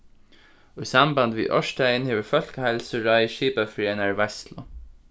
í sambandi við ársdagin hevur fólkaheilsuráðið skipað fyri einari veitslu